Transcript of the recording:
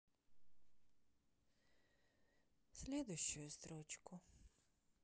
следующую строчку